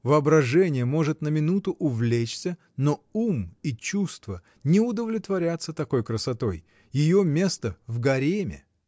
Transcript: Воображение может на минуту увлечься, но ум и чувство не удовлетворятся такой красотой: ее место в гареме.